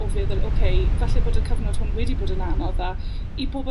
o feddwl oce, falle bod y cyfnod hwn wedi bod yn anodd a, i pobol